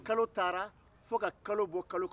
kalo taara fo ka kalo bɔ kalo kɔnɔ